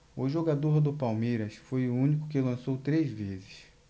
o jogador do palmeiras foi o único que lançou três vezes